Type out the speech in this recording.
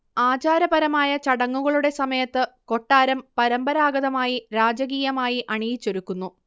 ആചാരപരമായ ചടങ്ങുകളുടെ സമയത്ത് കൊട്ടാരം പരമ്പരാഗതമായി രാജകീയമായി അണിയിച്ചൊരുക്കുന്നു